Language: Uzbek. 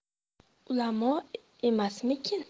ulamo emasmikin